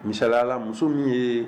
Misaliya la muso min ye